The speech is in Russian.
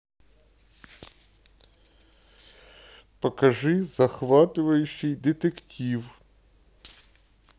покажи захватывающий детектив